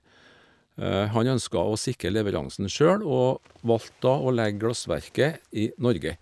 Han ønska å sikre leveransen sjøl, og valgte da å legge glassverket i Norge.